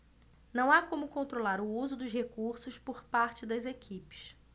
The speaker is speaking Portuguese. não há como controlar o uso dos recursos por parte das equipes